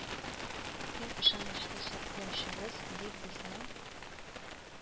Иң ышанычлы саклаучыбыз дип безнең